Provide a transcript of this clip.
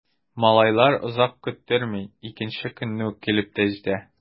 Малайлар озак көттерми— икенче көнне үк килеп тә җитә.